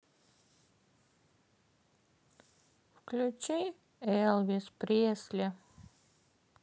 включи элвис пресли